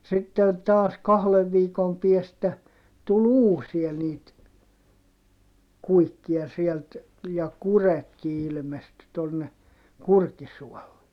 sitten taas kahden viikon päästä tuli uusia niitä kuikkia sieltä ja kurjetkin ilmestyi tuonne Kurkisuolle